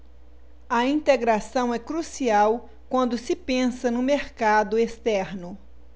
a integração é crucial quando se pensa no mercado externo